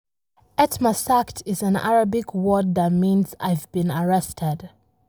Etmasakt is an Arabic word that means “I've been arrested”.